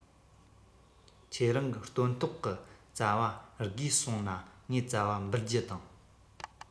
ཁྱེད རང གི སྟོན ཐོག གི ཙ བ དགོས གསུངས ན ངས ཙ བ འབུལ རྒྱུ དང